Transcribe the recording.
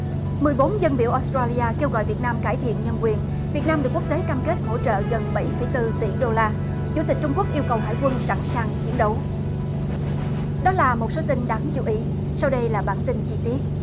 mười bốn dâng biểu ốt tro li a kêu gọi việt nam cải thiện nhân quyền việt nam được quốc tế cam kết hỗ trợ gần bảy phẩy từ tỷ đô la chủ tịch trung quốc yêu cầu hải quân sẵn sàng chiến đấu đó là một số tin đáng chú ý sau đây là bản tin chi tiết